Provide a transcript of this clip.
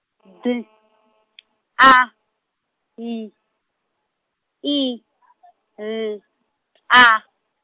D A Y I L A.